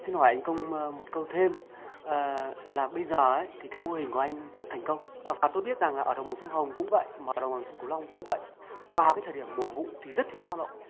xin hỏi anh công một câu thêm là là bây giờ thì cái mô hình của anh rất thành công ở và tôi biết rằng ở đồng bằng sông hồng cũng vậy mà đồng bằng sông cửu long cũng vậy vào cái thời điểm mùa vụ thì rất thiếu lao động